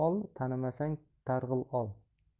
ol tanimasang targ'il ol